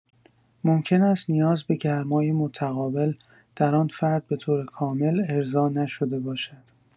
ممکن است نیاز به گرمای متقابل، در آن فرد به‌طور کامل ارضا نشده باشد.